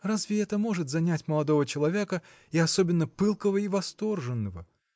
Разве это может занять молодого человека и особенно пылкого и восторженного?